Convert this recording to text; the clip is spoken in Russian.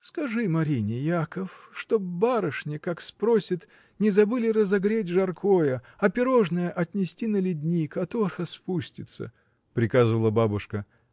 — Скажи Марине, Яков, чтобы барышне, как спросит, не забыли разогреть жаркое, а пирожное отнести на ледник, а то распустится! — приказывала бабушка.